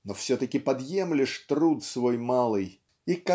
но все-таки подъемлешь труд свой малый и